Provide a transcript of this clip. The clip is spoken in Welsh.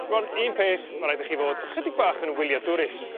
Rŵan un peth ma' raid i chi fod ychydig bach yn wyliadwrus